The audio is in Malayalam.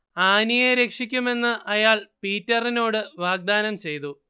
ആനിയെ രക്ഷിക്കുമെന്ന് അയാൾ പീറ്ററിനോട് വാഗ്ദാനം ചെയ്തു